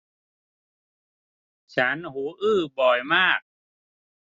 ฉันหูอื้อบ่อยมาก